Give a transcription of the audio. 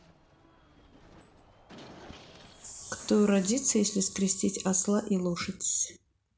кто родится если скрестить осла и лошадь